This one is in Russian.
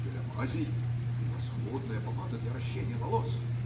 - Для мазей; превосходная помада для рощения волос.